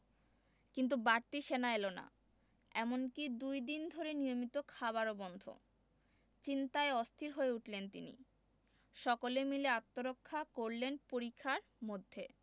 কিন্তু বাড়তি সেনা এলো না এমনকি দুই দিন ধরে নিয়মিত খাবারও বন্ধ চিন্তায় অস্থির হয়ে উঠলেন তিনি সকলে মিলে আত্মরক্ষা করলেন পরিখার মধ্যে